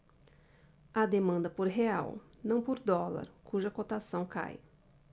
há demanda por real não por dólar cuja cotação cai